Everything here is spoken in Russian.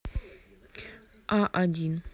а один